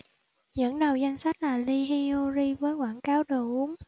dẫn đầu danh sách là lee hyori với quảng cáo đồ uống